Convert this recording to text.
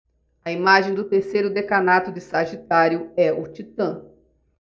a imagem do terceiro decanato de sagitário é o titã